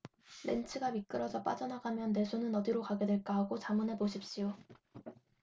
렌치가 미끄러져 빠져나가면 내 손은 어디로 가게 될까 하고 자문해 보십시오